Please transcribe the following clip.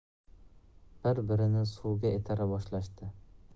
bir birini suvga itara boshlashdi